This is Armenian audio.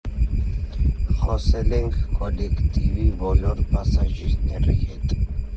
Խոսել ենք կոլեկտիվի բոլոր բազարչիների հետ։